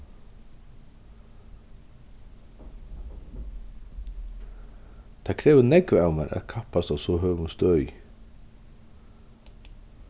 tað krevur nógv av mær at kappast á so høgum støði